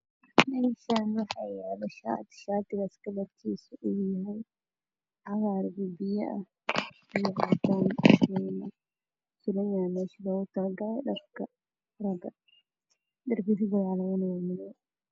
Waa shaar gacmo dheere ah midabkiisu yahay cadaan buluug oo suran shabaq madow ah